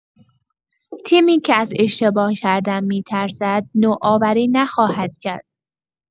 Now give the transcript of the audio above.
تیمی که از اشتباه کردن می‌ترسد، نوآوری نخواهد کرد.